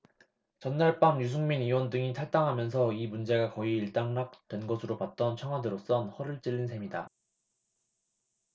전날 밤 유승민 의원 등이 탈당하면서 이 문제가 거의 일단락된 것으로 봤던 청와대로선 허를 찔린 셈이다